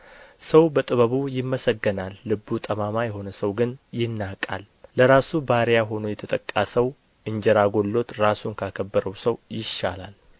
ሰው በጥበቡ ይመሰገናል ልቡ ጠማማ የሆነ ሰው ግን ይናቃል ለራሱ ባሪያ ሆኖ የተጠቃ ሰው እንጀራ ጐድሎት ራሱን ካከበረው ሰው ይሻላል